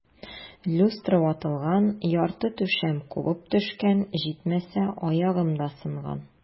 Люстра ватылган, ярты түшәм кубып төшкән, җитмәсә, аягым да сынган.